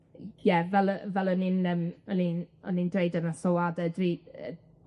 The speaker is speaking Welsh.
ie fel yy fel o'n i'n yym o'n i'n o'n i'n dweud yn y sylwade dwi yy